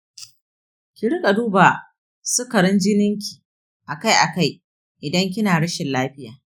ki riƙa duba sukarin jininki akai-akai idan kina rashin lafiya.